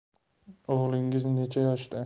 o'g'lingiz necha yoshda